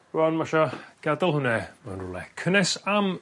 Rŵan ma' 'sha gade'l hwnne yn rwle cynnes am